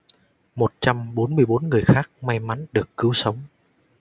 một trăm bốn mươi bốn người khác may mắn được cứu sống